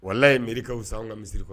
Walahi mairie ka wusa anw ŋa misiri kɔ